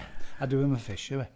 A dyw e ddim yn fish yw e?